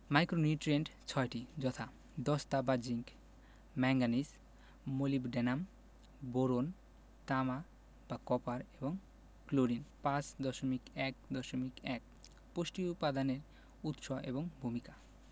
micronutrient ৬টি যথা দস্তা বা জিংক ম্যাংগানিজ মোলিবডেনাম বোরন তামা বা কপার এবং ক্লোরিন৫.১.১ পুষ্টি উপাদানের উৎস এবং ভূমিকা